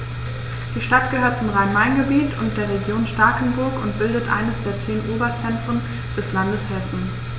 Die Stadt gehört zum Rhein-Main-Gebiet und der Region Starkenburg und bildet eines der zehn Oberzentren des Landes Hessen.